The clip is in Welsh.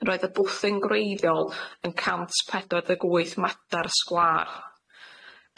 Roedd y bwthyn gwreiddiol yn cant pedwar ddeg wyth medar sgwâr.